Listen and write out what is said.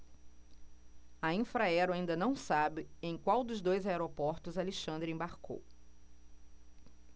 a infraero ainda não sabe em qual dos dois aeroportos alexandre embarcou